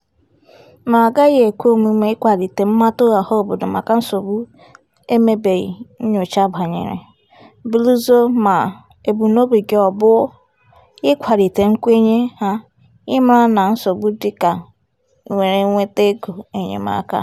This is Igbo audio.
ma ọgaghị ekwe omume ịkwalite mmata ọhaobodo maka nsogbu emebeghị nnyocha banyere, belụsọ ma ebumnobi gị ọ bụ ịkwalite nkwenye ha ị mara na nsogbu dị ka iwere nweta ego enyemaaka.